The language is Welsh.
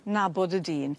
nabod y dyn